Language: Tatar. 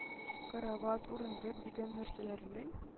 Карават, урындык дигән нәрсәләрнең